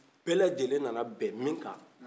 bɛ lajɛlen na na bɛn min ka